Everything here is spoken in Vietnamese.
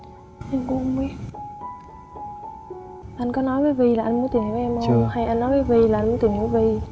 em cũng không biết anh có nói với vy là anh muốn tìm hiểu em không hay là anh nói với vy là anh muốn tìm hiểu vy